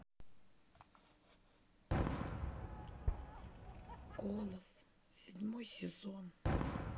голос седьмой сезон